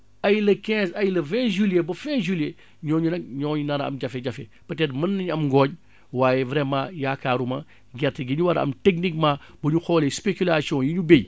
ay le quinze ay le vingt juillet ba fin juillet ñooñu nag ñooy nar a am jafe-jafe peut être mën nañu am ngooñ waaye vraiment yaakaaruma gerte gi ñu war a am techniquement bu ñu xoolee spéculations yi ñu bay